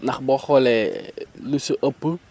ndax boo xoolee lu si ëpp